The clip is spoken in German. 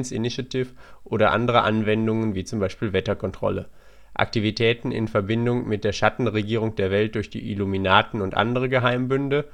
Initiative oder andere Anwendungen, wie z.B. Wetterkontrolle). Aktivitäten in Verbindung mit der Schatten-Regierung der Welt durch die Illuminaten und andere Geheimbünde